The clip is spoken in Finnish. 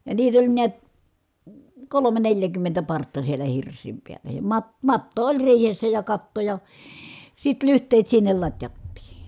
ja niitä oli näet kolme neljäkymmentä partta siellä hirsien päällä ja - matto oli riihessä ja katto ja sitten lyhteet sinne latjattiin